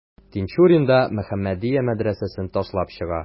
Тинчурин да «Мөхәммәдия» мәдрәсәсен ташлап чыга.